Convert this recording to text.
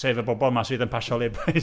Sef y bobl 'ma sydd yn pasio laybys .